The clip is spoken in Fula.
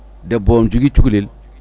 debbo o ne jogui cukalel